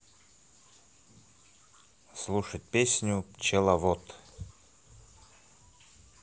слушать песню пчеловод